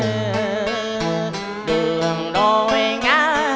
đường đôi ngả